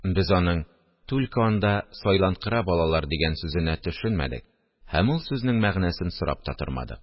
Без аның «түлке анда сайланкырап алалар» дигән сүзенә төшенмәдек һәм ул сүзнең мәгънәсен сорап та тормадык